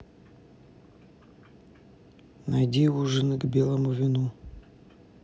найди ужины к белому вину